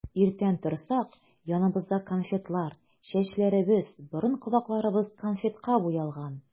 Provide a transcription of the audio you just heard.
Иртән торсак, яныбызда конфетлар, чәчләребез, борын-колакларыбыз конфетка буялган.